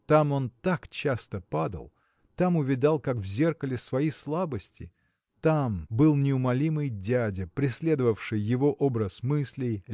там он так часто падал, там увидал как в зеркале свои слабости. там был неумолимый дядя преследовавший его образ мыслей